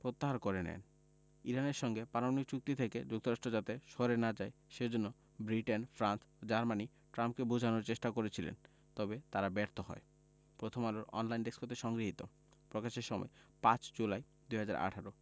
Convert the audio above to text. প্রত্যাহার করে নেন ইরানের সঙ্গে পরমাণু চুক্তি থেকে যুক্তরাষ্ট্র যাতে সরে না যায় সে জন্য ব্রিটেন ফ্রান্স ও জার্মানি ট্রাম্পকে বোঝানোর চেষ্টা করছিলেন তবে তারা ব্যর্থ হয় প্রথমআলোর অনলাইন ডেস্ক হতে সংগৃহীত প্রকাশের সময় ৫ জুলাই ২০১৮